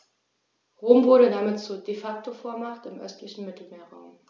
Rom wurde damit zur ‚De-Facto-Vormacht‘ im östlichen Mittelmeerraum.